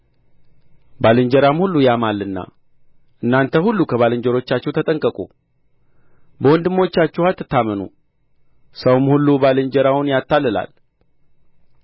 ባልንጀራም ሁሉ ያማልና እናንተ ሁሉ ከባልንጀሮቻችሁ ተጠንቀቁ በወንድሞቻችሁም አትታመኑ ሰውም ሁሉ ባልንጀራውን ያታልላል